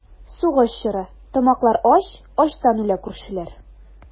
Сугыш чоры, тамаклар ач, Ачтан үлә күршеләр.